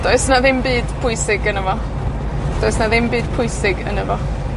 Does 'na ddim byd pwysig yno fo. Does 'na ddim byd pwysig yno fo.